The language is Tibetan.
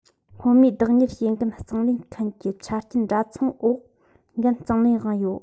སྔོན མའི བདག གཉེར བྱེད འགན གཙང ལེན བྱེད མཁན གྱིས ཆ རྐྱེན འདྲ མཚུངས འོག སྔོན ལ འགན གཙང ལེན དབང ཡོད